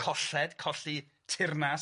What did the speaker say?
Colled, colli teyrnas.